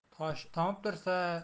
tomib tursa quhngman